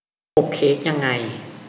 อบเค้กทำยังไง